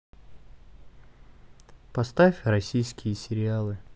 поставь российские сериалы